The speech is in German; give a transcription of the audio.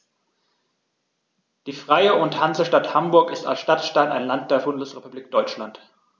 Die Freie und Hansestadt Hamburg ist als Stadtstaat ein Land der Bundesrepublik Deutschland.